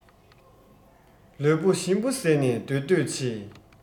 ལུས པོ ཞིམ པོ བཟས ནས སྡོད འདོད ཆེ